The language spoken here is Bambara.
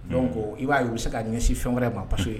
Donc i b'a ye u bɛ se ka ɲɛsin fɛn wɛrɛ ma parce que